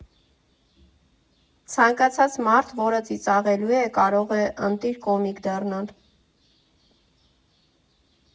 Ցանկացած մարդ, որը ծիծաղալու է, կարող է ընտիր կոմիկ դառնալ։